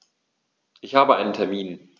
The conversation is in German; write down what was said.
Ich habe einen Termin.